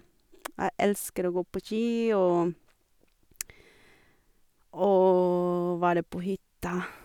Jeg elsker å gå på ski og og være på hytta.